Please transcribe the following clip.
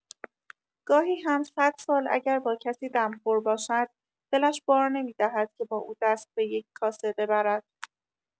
گاهی هم صد سال اگر با کسی دمخور باشد دلش بار نمی‌دهد که با او دست به یک‌کاسه ببرد.